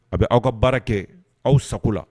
A bɛ aw ka baara kɛ aw sago la